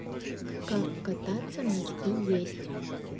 как кататься носки есть